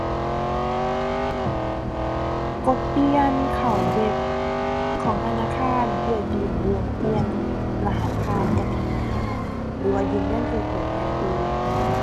กดเปลี่ยน เข้าเว็บของธนาคาร เพื่อยื่นเรื่องเปลี่ยนรหัสผ่านแอปธนาคาร หรือว่ายืนยันตัวตนอย่างอื่น